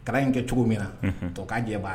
Kalan in kɛ cogo min na o ka jɛ'